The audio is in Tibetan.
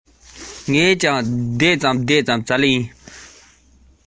ཁྱིམ ལ སླེབས ན ངས ཁྱོད ལ འོ མ ལྡུད